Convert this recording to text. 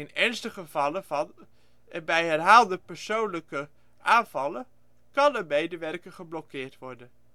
ernstige gevallen van/en bij herhaalde persoonlijke aanvallen kan een medewerker geblokkeerd worden